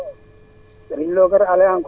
waaw ñu ngi lay ziyaar sëñ bi